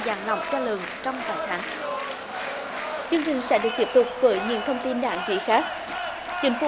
dạng lỏng cho lợn trong vài tháng chương trình sẽ được tiếp tục với những thông tin đáng chú ý khác chính phủ